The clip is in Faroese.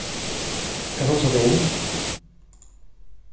hvat hugsar tú um